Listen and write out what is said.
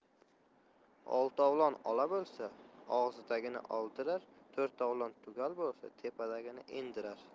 oltovlon ola bo'lsa og'zidagini oldirar to'rtovlon tugal bo'lsa tepadagini endirar